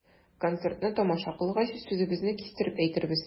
Концертны тамаша кылгач, сүзебезне кистереп әйтербез.